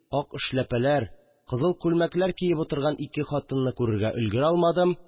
Ак эшләпәләр, кызыл күлмәкләр киеп утырган ике хатынны күрергә өлгерә алмадым